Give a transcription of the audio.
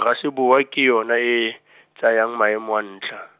Raseboa ke yone e e , tsayang maemo a ntlha.